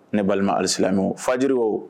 Ne balima alisio fajiri o